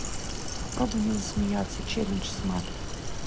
попробуй не засмеяться челлендж с матом